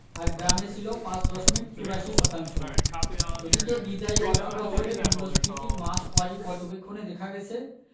আর গ্রামে ছিল ৫ দশমিক ৮৪ শতাংশ এদিকে বিদায়ী অর্থবছরের মূল্যস্ফীতির মাসওয়ারি পর্যবেক্ষণে দেখা গেছে